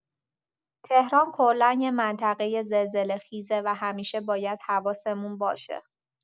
تهران کلا یه منطقه زلزله‌خیزه و همیشه باید حواسمون باشه.